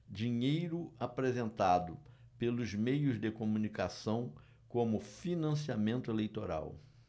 dinheiro apresentado pelos meios de comunicação como financiamento eleitoral